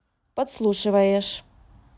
подслушиваешь